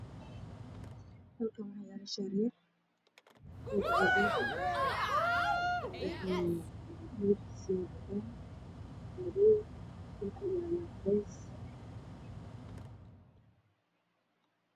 Meshan waa barxad banan ah waxaa yaalo shaati madow iyo caddaan isku jiro ah